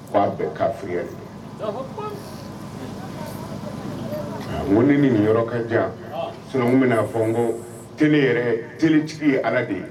'a bɛɛ ka fya ko ne ni nin yɔrɔ ka jan sina bɛnaa fɔ n ko t yɛrɛ ttigi ye ala de ye